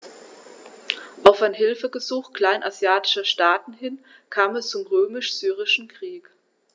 Auf ein Hilfegesuch kleinasiatischer Staaten hin kam es zum Römisch-Syrischen Krieg.